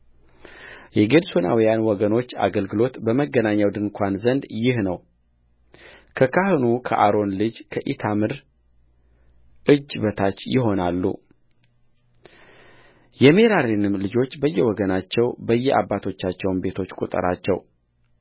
የጌድሶናውያን ወገኖች አገልግሎት በመገናኛው ድንኳን ዘንድ ይህ ነው ከካህኑ ከአሮን ልጅ ከኢታምር እጅ በታች ይሆናሉየሜራሪንም ልጆች በየወገናቸው በየአባቶቻቸውም ቤቶች ቍጠራቸው